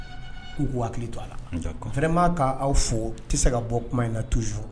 K'u kou hakili don a lafɛma ka aw fo tɛ se ka bɔ kuma in na tusu